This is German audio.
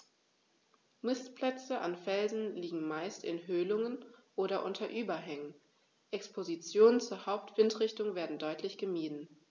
Nistplätze an Felsen liegen meist in Höhlungen oder unter Überhängen, Expositionen zur Hauptwindrichtung werden deutlich gemieden.